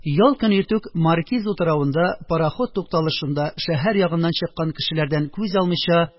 Ял көн иртүк Маркиз утравында, пароход тукталышында шәһәр ягыннан чыккан кешеләрдән күзен алмыйча